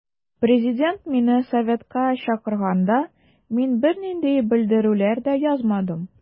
Президент мине советка чакырганда мин бернинди белдерүләр дә язмадым.